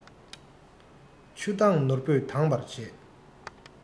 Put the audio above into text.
ཆུ མདངས ནོར བུས དྭངས པར བྱེད